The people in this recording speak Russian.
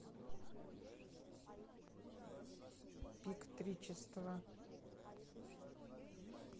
пик тричества